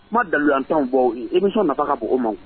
Kuma datanw baw emisɔn nafa ka b ma